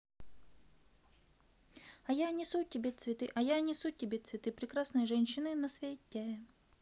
а я несу тебе цветы а я несу тебе цветы прекрасные женщины на свете